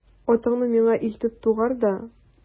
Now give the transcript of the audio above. Атыңны миңа илтеп тугар да...